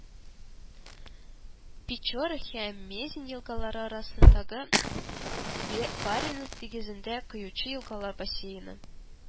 Печора һәм Мезень елгалары арасындагы, Баренец диңгезенә коючы, елгалар бассейны